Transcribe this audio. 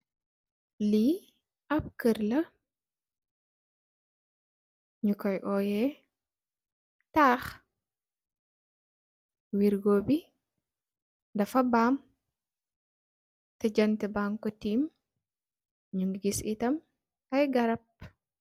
Li ap kér la ñi Koy óyeh taax wirgo bi dafa baam ti janta baag ko tiim. Ñu gis itam ay garap.